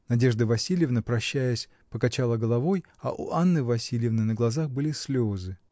Надежда Васильевна, прощаясь, покачала головой, а у Анны Васильевны на глазах были слезы.